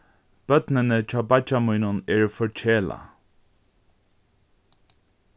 børnini hjá beiggja mínum eru forkelað